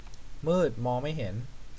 มืดมองไม่เห็น